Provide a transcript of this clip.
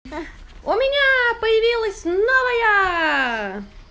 у меня появилась новая